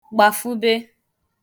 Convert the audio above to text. gbàfube